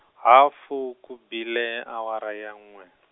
hafu ku bile awara ya n'we .